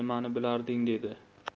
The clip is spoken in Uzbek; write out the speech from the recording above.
nimani bilarding dedi